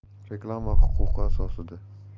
reklama huquqi asosida